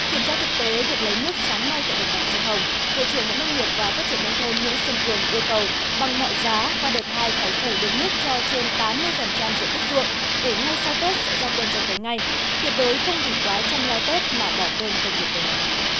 kiểm tra thực tế việc lấy nước sáng nay tại đồng bằng sông hồng bộ trưởng bộ nông nghiệp và phát triển nông thôn nguyễn xuân cường yêu cầu bằng mọi giá qua đợt hai phải phủ được nước cho trên tám mươi phần trăm diện tích ruộng để ngay sau tết sẽ ra quân gieo cấy ngay tuyệt đối không vì quá chăm lo tết mà bỏ quên công việc đồng áng